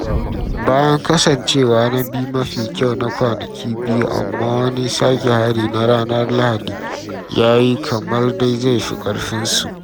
Bayan kasancewa na biyu mafi kyau na kwanaki biyu, amma, wani sake hari na ranar Lahadi ya yi kamar dai zai fi ƙarfinsu.